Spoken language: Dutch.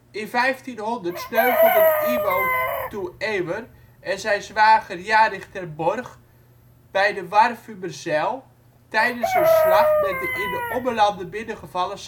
1500 sneuvelden Iwo toe Ewer en zijn zwager Jarich ter Borch bij de Warfummerzijl tijdens een slag met de in de Ommelanden binnengevallen